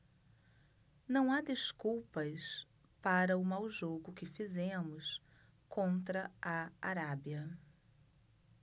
não há desculpas para o mau jogo que fizemos contra a arábia